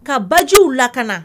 Ka bajw lakana